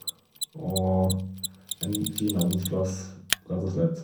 Og en fin arbeidsplass, rett og slett.